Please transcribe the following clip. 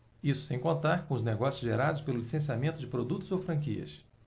isso sem contar os negócios gerados pelo licenciamento de produtos ou franquias